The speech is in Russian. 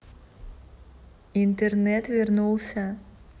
интернет вернулся